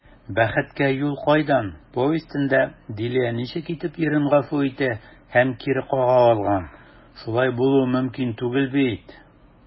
«бәхеткә юл кайдан» повестенда дилә ничек итеп ирен гафу итә һәм кире кага алган, шулай булуы мөмкин түгел бит?»